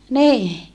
niin